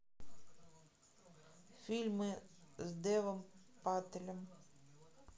фильмы с дэвом пателем